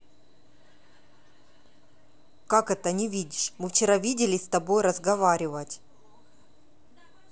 как это не видишь мы вчера виделись с тобой разговаривать